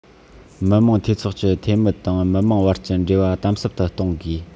མི དམངས འཐུས ཚོགས ཀྱི འཐུས མི དང མི དམངས བར གྱི འབྲེལ བ དམ ཟབ ཏུ གཏོང དགོས